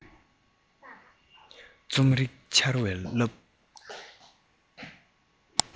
རྩོམ རིག འཕྱུར བའི རླབས